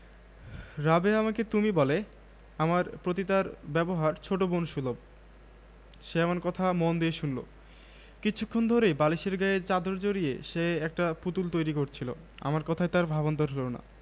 রাবেয়া সেই ছেলেটির আর কোন পরিচয়ই দিতে পারবে না আবারও রাবেয়া বেড়াতে বেরুবে আবারো হয়তো কেউ এমনি একটি ইতর অশ্লীল কথা বলে বসবে তাকে খোকা তোর দুধ মা দুধের বাটি টেবিলে নামিয়ে রাখলেন